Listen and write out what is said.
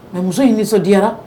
Mais muso in nisɔndiyara